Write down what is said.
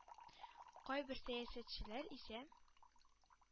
Кайбер сәясәтчеләр исә